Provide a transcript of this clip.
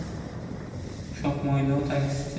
shop mo'ylov taksichi